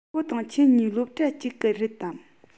ཁོ དང ཁྱོད གཉིས སློབ གྲྭ གཅིག གི རེད དམ